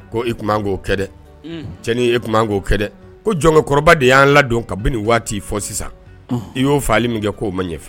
Ko e tun man k'o kɛ dɛ, unhun, cɛnnin e tun man k'o kɛ dɛ, ko jɔnkɔrɔba de y'an ladon kabini nin waati fɔ sisan ,ɔnhɔn, i y'o fagali min kɛ k'o man ɲɛn fiyewu